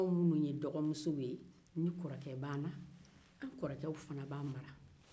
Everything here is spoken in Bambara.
anw minnu ye dɔgɔmusow ye ni kɔrɔkɛ b'an na anw kɔrɔkew fana b'an mara